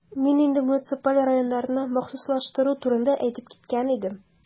Мин инде муниципаль районнарны махсуслаштыру турында әйтеп киткән идем.